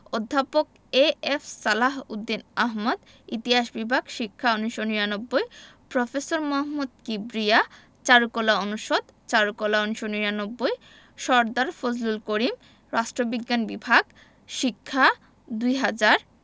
অধ্যাপক এ.এফ সালাহ উদ্দিন আহমদ ইতিহাস বিভাগ শিক্ষা ১৯৯৯ প্রফেসর মোহাম্মদ কিবরিয়া চারুকলা অনুষদ চারুকলা ১৯৯৯ সরদার ফজলুল করিম রাষ্ট্রবিজ্ঞান বিভাগ শিক্ষা ২০০০